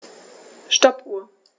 Stoppuhr.